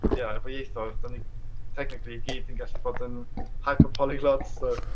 Ond ia, efo ieithoedd dan ni technically i gyd yn gallu bod yn hyper-polyglots.